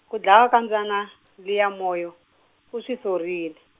ku dlawa ka mbyana, liya Moyo, u swi sorile.